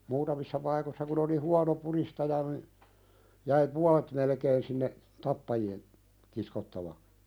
muutamissa paikoissa kun oli huono pudistaja niin jäi puolet melkein sinne tappajien kiskottaviksi